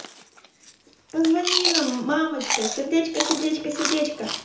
позвони нам мамочка сердечко сердечко сердечко